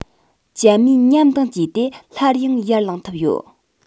གྱད མིའི ཉམས དང བཅས ཏེ སླར ཡང ཡར ལངས ཐུབ ཡོད